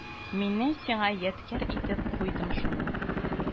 Миннән сиңа ядкәр итеп куйдым шуны